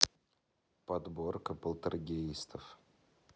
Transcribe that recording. подборка полтергейстов